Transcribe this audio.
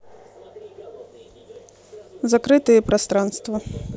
закрытые пространства